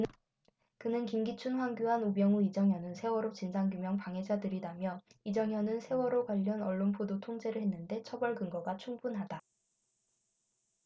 그는 김기춘 황교안 우병우 이정현은 세월호 진상규명 방해자들이다며 이정현은 세월호 관련 언론보도 통제를 했는데 처벌 근거가 충분하다